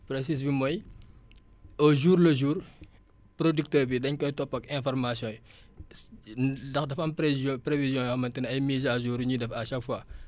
processus bi mooy au jour le jour producteur bi dañ koy topp ak information yi ndax dafa am prévision prévision yoo xamante ne ay mise à jour yu ñuy def à chaque fois